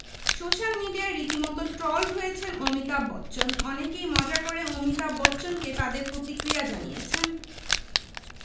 social মিডিয়ায় রীতিমতো trolled হয়েছেন অমিতাভ বচ্চন অনেকেই মজা করে অমিতাভ বচ্চনকে তাদের প্রতিক্রিয়া জানিয়েছেন